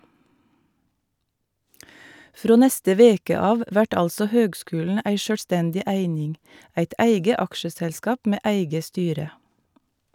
Frå neste veke av vert altså høgskulen ei sjølvstendig eining, eit eige aksjeselskap med eige styre.